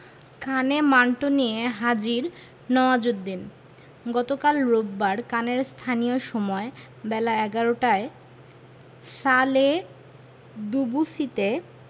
কানে মান্টো নিয়ে হাজির নওয়াজুদ্দিন গতকাল রোববার কানের স্থানীয় সময় বেলা ১১টায় সালে দুবুসিতে